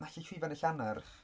Falle Llwyfan y Llanerch.